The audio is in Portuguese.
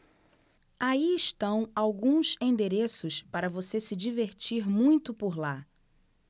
aí estão alguns endereços para você se divertir muito por lá